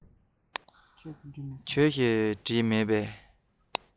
ཁྱེད རང གིས བྲིས མེད པས